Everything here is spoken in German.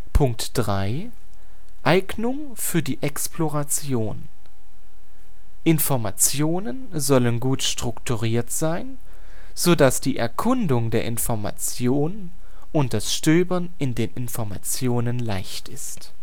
sind. Eignung für die Exploration – Informationen sollen gut strukturiert sein, so dass die Erkundung der Informationen und das Stöbern in den Informationen leicht ist